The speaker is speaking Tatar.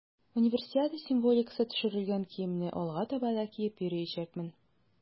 Универсиада символикасы төшерелгән киемне алга таба да киеп йөриячәкмен.